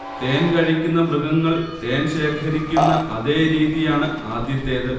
തേൻകഴിക്കുന്ന മൃഗങ്ങൾ തേൻശേഖരിക്കുന്ന അതേ രീതിയാണ് ആദ്യത്തേത്